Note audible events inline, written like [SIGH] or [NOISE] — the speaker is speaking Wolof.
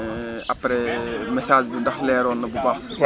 [HESITATION] après message bi ndax leeroon na bu baax